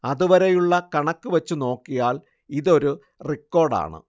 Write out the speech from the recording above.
അതുവരെയുള്ള കണക്കു വച്ചു നോക്കിയാൽ ഇതൊരു റിക്കോർഡാണ്